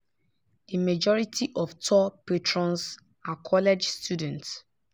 The majority of tour patrons are college students.